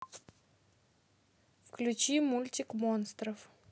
включи мультик монстров